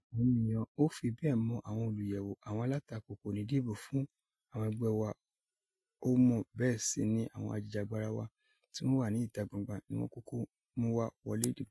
Àwọn èèyàn ò fi bẹ́ẹ̀ mọ àwọn olùyẹ̀wò, àwọn alátakò kò ní dìbò fún un, àwọn ẹgbẹ́ wà ò mọ́ bẹ́ẹ̀ sì ni àwọn ajìjàgbara wa tí wọ́n wà ní ìta gbangba ní wọ́n kúkú mú wa wọlé ìdìbò.